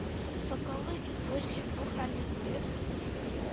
Сакаллы извозчик бу хәлне күреп,